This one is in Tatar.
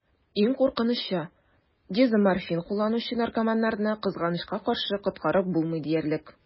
Иң куркынычы: дезоморфин кулланучы наркоманнарны, кызганычка каршы, коткарып булмый диярлек.